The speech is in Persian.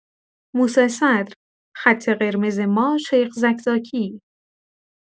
موسی‌صدر: خط قرمز ما شیخ زکزاکی!